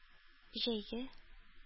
Җәйге